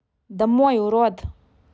домой урод